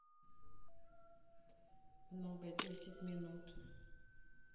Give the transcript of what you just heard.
много десять минут